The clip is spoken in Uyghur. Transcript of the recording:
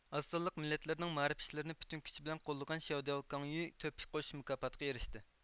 ئاز سانلىق مىللەتلەرنىڭ مائارىپ ئىشلىرىنى پۈتۈن كۈچى بىلەن قوللىغان شياۋداۋ كاڭيۈ تۆھپە قوشۇش مۇكاپاتىغا ئېرىشتى